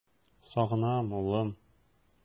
Сагынам, улым!